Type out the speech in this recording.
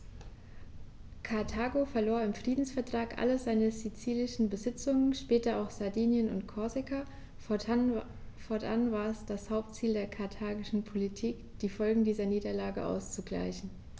Karthago verlor im Friedensvertrag alle seine sizilischen Besitzungen (später auch Sardinien und Korsika); fortan war es das Hauptziel der karthagischen Politik, die Folgen dieser Niederlage auszugleichen.